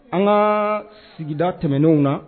An ŋaa sigida tɛmɛnenw na